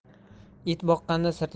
it boqqanda sirtlon